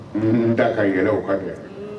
Munumunuda ka yɛlɛ u kɔfɛ hun